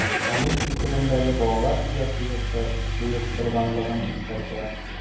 Алиш исемендәге Балалар иҗаты йорты оештырганлыгын искәртә.